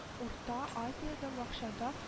Урта Азиядә бакчада